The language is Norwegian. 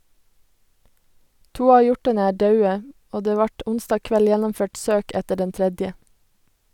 To av hjortane er daude, og det vart onsdag kveld gjennomført søk etter den tredje.